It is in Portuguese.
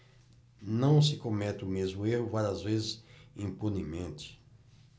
não se comete o mesmo erro várias vezes impunemente